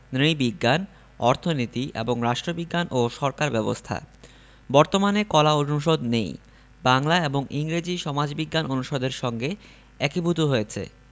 নৃবিজ্ঞান অর্থনীতি এবং রাষ্ট্রবিজ্ঞান ও সরকার ব্যবস্থা বর্তমানে কলা অনুষদ নেই বাংলা এবং ইংরেজি সমাজবিজ্ঞান অনুষদের সঙ্গে একীভূত হয়েছে